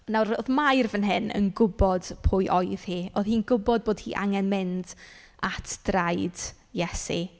Nawr o'dd Mair fan hyn yn gwbod pwy oedd hi, oedd hi'n gwbod bod hi angen mynd at draed Iesu.